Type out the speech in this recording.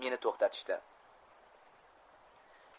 meni to'xtatishdi